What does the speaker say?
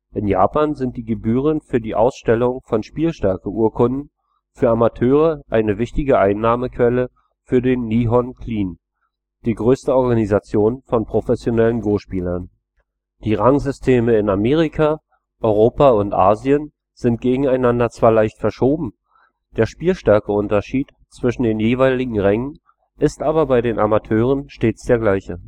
In Japan sind die Gebühren für die Ausstellung von Spielstärke-Urkunden für Amateure eine wichtige Einnahmequelle für den Nihon Kiin, die größte Organisation von professionellen Go-Spielern. Die Rangsysteme in Amerika, Europa und Asien sind gegeneinander zwar leicht verschoben, der Spielstärkeunterschied zwischen den jeweiligen Rängen ist aber bei den Amateuren stets der gleiche